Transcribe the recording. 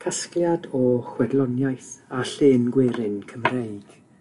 Casgliad o chwedloniaeth a llên gwerin Cymreig